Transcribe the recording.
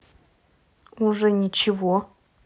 уже ничего